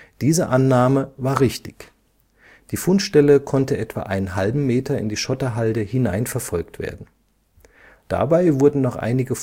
Diese Annahme war richtig, die Fundstelle konnte etwa einen halben Meter in die Schotterhalde hinein verfolgt werden. Dabei wurden noch einige